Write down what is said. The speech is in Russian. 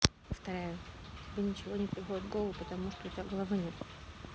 повторяю тебе ничего не приходит в голову потому что у тебя головы нет